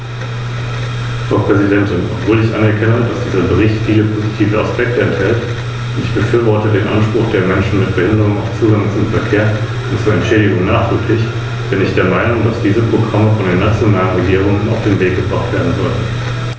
Und wie Herr Simpson sehr richtig sagte, darf der Prozess niemals als abgeschlossen, als gewonnen oder als vollendet betrachtet werden.